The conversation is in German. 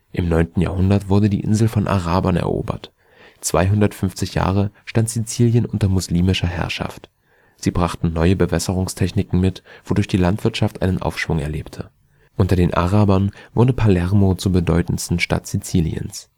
9. Jahrhundert wurde die Insel von den Arabern erobert – 250 Jahre stand Sizilien unter muslimischer Herrschaft. Sie brachten neue Bewässerungstechniken mit, wodurch die Landwirtschaft einen Aufschwung erlebte. Unter den Arabern wurde Palermo zur bedeutendsten Stadt Siziliens